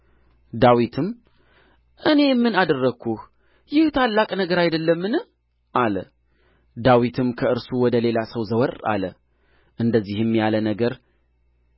ዳዊትም እኔ ምን አደርግሁ ይህ ታላቅ ነገር አይደለምን አለ ዳዊትም ከእርሱ ወደ ሌላ ሰው ዘወር አለ እንደዚህም ያለ ነገር